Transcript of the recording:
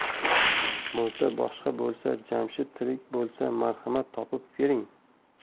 murda boshqa bo'lsa jamshid tirik bo'lsa marhamat topib bering